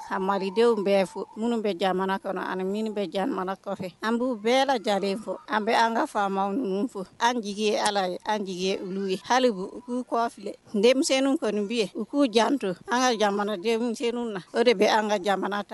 Amadenw bɛɛ fɔ minnu bɛ jamana kɔnɔ ani minnu bɛ ja an b'u bɛɛ lajɛlenlen fɔ an bɛ an ka faama ninnu fɔ an jigi ye ala ye an jigi olu ye halibu u k'u kɔfi denmisɛnninw kɔni biye u k'u janto an ka jamana denmisɛnnin na o de bɛ an ka jamana kan